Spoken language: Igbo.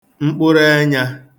mkpụrụẹnyā